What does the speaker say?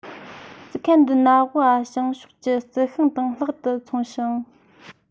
སི ཁན རྡི ན ཝི ཨ བྱང ཕྱོགས ཀྱི རྩི ཤིང དང ལྷག ཏུ མཚུངས ཤིང